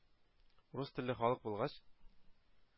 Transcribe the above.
«урыс телле халык» булгач,